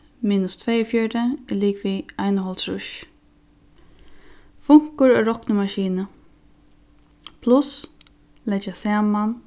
minus tveyogfjøruti er ligvið einoghálvtrýss funkur á roknimaskinu pluss leggja saman